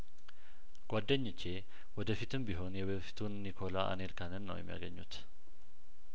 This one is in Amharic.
ጓደኘቼ ወደፊትም ቢሆን የበፊቱን ኒኮላ አኔልካንን ነው የሚያገኙት